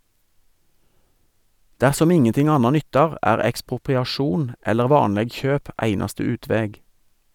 Dersom ingenting anna nyttar, er ekspropriasjon eller vanleg kjøp einaste utveg.